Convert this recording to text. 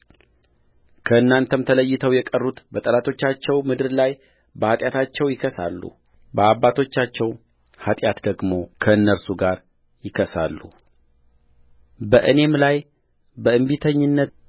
ከእናንተም ተለይተው የቀሩት በጠላቶቻቸው ምድር ላይ በኃጢአታቸው ይከሳሉ በአባቶቻቸውም ኃጢአት ደግሞ ከእነርሱ ጋር ይከሳሉበእኔም ላይ በእንቢተኝነት